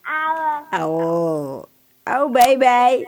Awɔ awɔ aw bye bye